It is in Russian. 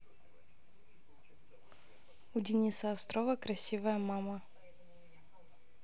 у дениса острова красивая мама